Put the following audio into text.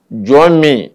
Jɔn min